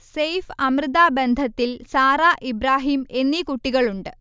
സെയ്ഫ്-അമൃത ബന്ധത്തിൽ സാറ, ഇബ്രാഹീം എന്നീ കുട്ടികളുണ്ട്